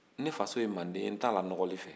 ne faso ye mande ye n t'a lanɔgɔli fɛ